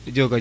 jokonjal